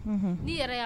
Ni yɛrɛ yan